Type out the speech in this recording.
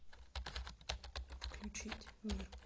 включить мир